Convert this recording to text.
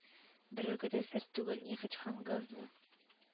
Берәүгә дә сер түгел, нефть һәм газны